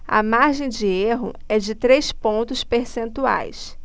a margem de erro é de três pontos percentuais